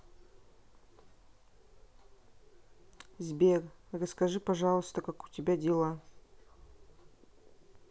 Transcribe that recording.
сбер расскажи пожалуйста как у тебя дела